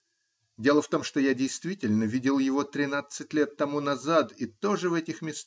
Дело в том, что я действительно видел его тринадцать лет тому назад, и тоже в этих местах.